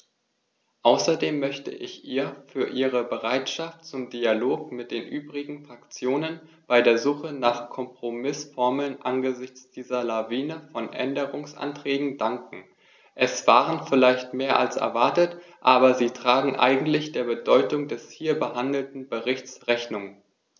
Außerdem möchte ich ihr für ihre Bereitschaft zum Dialog mit den übrigen Fraktionen bei der Suche nach Kompromißformeln angesichts dieser Lawine von Änderungsanträgen danken; es waren vielleicht mehr als erwartet, aber sie tragen eigentlich der Bedeutung des hier behandelten Berichts Rechnung.